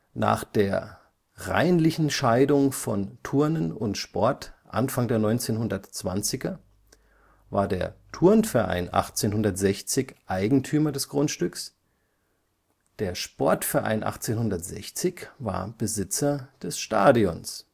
Nach der „ reinlichen Scheidung von Turnen und Sport “Anfang der 1920er war der Turnverein 1860 Eigentümer des Grundstücks, der Sportverein 1860 war Besitzer des Stadions